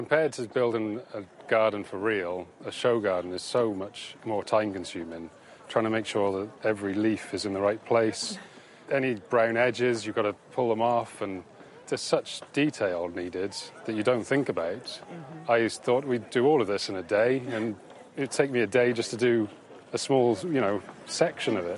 Compared to building a garden for real, a show garden is so much more time consuming, trying to make sure that every leaf is in the right place, any brown edges you've got to pull them off and there's such detail needed that you don't think about. I just thought we'd do all of this in a day and it'd take me a day just to do a small, you know, section of it.